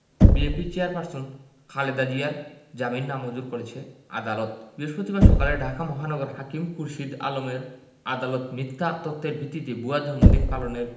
বিএনপির চেয়ারপারসন খালেদা জিয়ার জামিন নামঞ্জুর করেছেন আদালত বৃহস্পতিবার সকালে ঢাকা মহানগর হাকিম খুরশীদ আলমের আদালত মিথ্যা তথ্যের ভিত্তিতে ভুয়া জন্মদিন পালনের